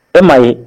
E ma ɲi